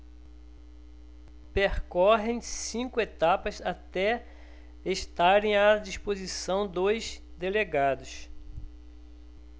percorrem cinco etapas até estarem à disposição dos delegados